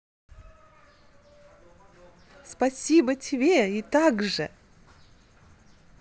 спасибо тебе и также